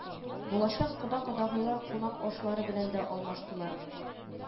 Булачак кода-кодагыйлар кунак ашлары белән дә алмаштылар